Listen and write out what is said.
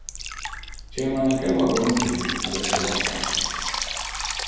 gev mær eina góða grund til at eg skal hjálpa tær